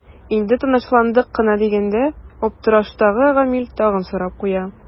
Инде тынычландык кына дигәндә аптыраштагы Гамил тагын сорап куя.